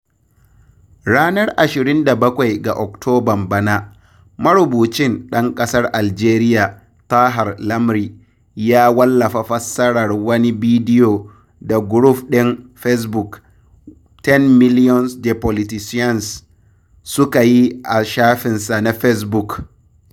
Ranar 27 ga Oktoban bana, marubucin ɗan ƙasar Aljeriya, Tahar Lamri [en] ya wallafa fassarar wani bidiyo [ar] da guruf ɗin Facebook 10 Millions de Politiciens [ar, fr] su ka yi a shafinsa na Facebook.